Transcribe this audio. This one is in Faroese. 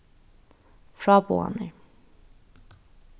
fráboðanir